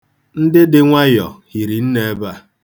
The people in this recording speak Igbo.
Ndị dị nwayọ hiri nne ebe a.